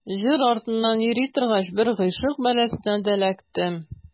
Җыр артыннан йөри торгач, бер гыйшык бәласенә дә эләктем.